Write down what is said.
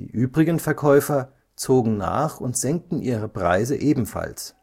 übrigen Verkäufer zogen nach und senkten ihre Preise ebenfalls